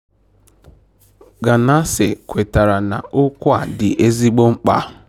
Ganase kwetara na okwu a dị ezigbo mkpa.